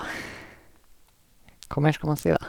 Hva mer skal man si, da?